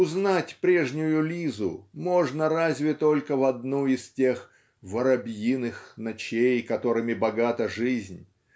Узнать прежнюю Лизу можно разве только в одну из тех "воробьиных ночей" которыми богата жизнь.